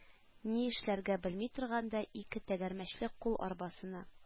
Ни эшләргә белми торганда, ике тәгәрмәчле кул арбасына